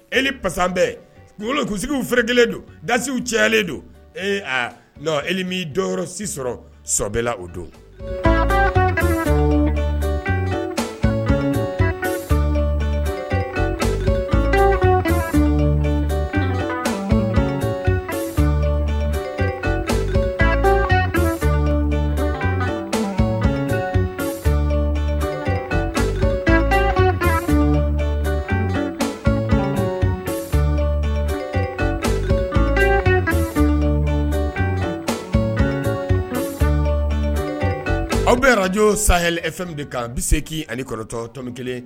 E ni pasa bɛɛ kusigiw fɛrɛ kelen don dasiw cɛlen don ee e mi dɔw si sɔrɔ sɔbɛla o don aw bɛ araj sa e fɛn min de kan an bɛ se kki ani kɔrɔtɔ to kelen